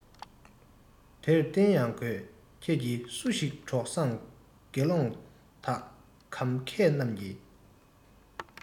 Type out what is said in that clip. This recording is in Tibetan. དེར བརྟེན ཡང གོས ཁྱེད ཀྱི སུ ཞིག གྲོགས བཟང དགེ སློང དག གམ མཁས རྣམས ཀྱིས